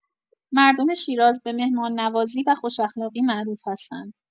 مردم شیراز به مهمان‌نوازی و خوش‌اخلاقی معروف هستند.